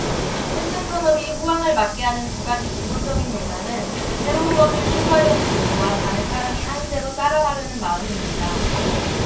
패션 산업이 호황을 맞게 하는 두 가지 기본적인 욕망은 새로운 것을 추구하려는 욕구와 다른 사람들이 하는 대로 따라가려는 마음입니다